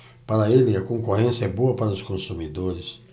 para ele a concorrência é boa para os consumidores